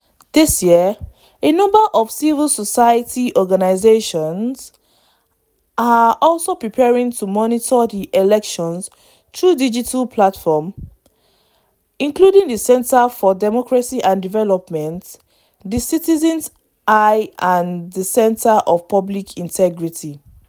This year, a number of civil society organizations are also preparing to monitor the elections through digital platforms, including the Center for Democracy and Development, the Citizen's Eye and the Center for Public Integrity.